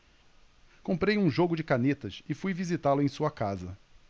comprei um jogo de canetas e fui visitá-lo em sua casa